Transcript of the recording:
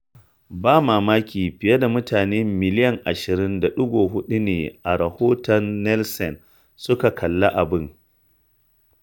Ba mamaki fiye da mutane miliyan 20.4 ne a rahoton Nielsen suka kalli abin.